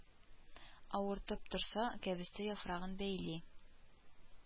Авыртып торса, кәбестә яфрагын бәйли